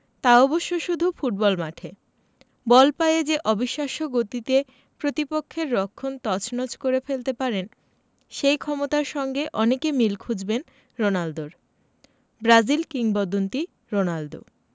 তা অবশ্য শুধু ফুটবল মাঠে বল পায়ে যে অবিশ্বাস্য গতিতে প্রতিপক্ষের রক্ষণ তছনছ করে ফেলতে পারেন সেই ক্ষমতার সঙ্গে অনেকে মিল খুঁজবেন রোনালদোর ব্রাজিল কিংবদন্তি রোনালদো